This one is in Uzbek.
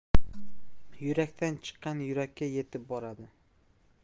yurakdan chiqqan yurakka yetib boradi